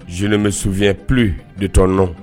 Je ne me souviens plus de ton nom